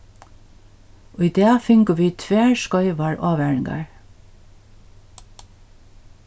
í dag fingu vit tvær skeivar ávaringar